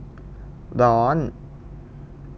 ร้อน